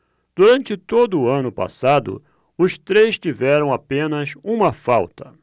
durante todo o ano passado os três tiveram apenas uma falta